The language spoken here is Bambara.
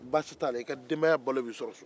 baasi t'a la e ka denbaya balo b'e sɔrɔ so